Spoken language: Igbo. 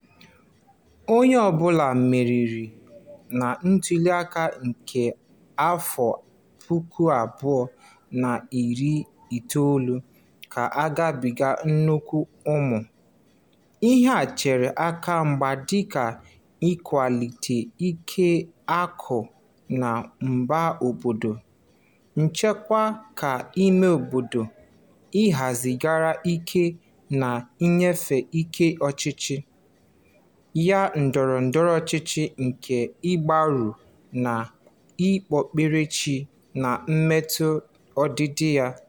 Onye ọ bụla meriri na ntụliaka nke 2019 ga-agabiga nnukwu ụmụ ihe chere aka mgba dịka ịkwalite ike akụ na ụba obodo, nchekwa nke ime obodo, ịhazigharị ike na inyefe ike ọchịchị, yana ndọrọ ndọrọ ọchịchị nke agbụrụ na okpukperechi na-emetụta ọdịdị ya.